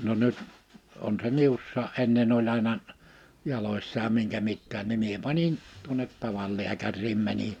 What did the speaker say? no nyt on se minussakin ennen oli aina jaloissa ja minkä mitäkin niin minä panin tuonne tavan lääkäriin menin